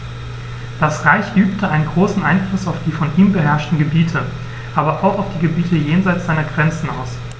Das Reich übte einen großen Einfluss auf die von ihm beherrschten Gebiete, aber auch auf die Gebiete jenseits seiner Grenzen aus.